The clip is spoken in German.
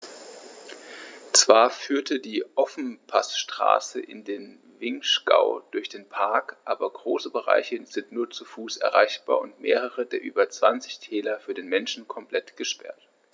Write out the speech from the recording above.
Zwar führt die Ofenpassstraße in den Vinschgau durch den Park, aber große Bereiche sind nur zu Fuß erreichbar und mehrere der über 20 Täler für den Menschen komplett gesperrt.